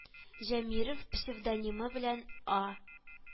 Җәмирев псевдонимы белән А